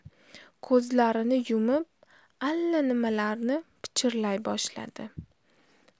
ko'zlarini yumib allanimalarni pichirlay boshladi